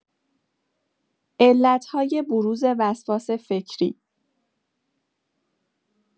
علت‌های بروز وسواس فکری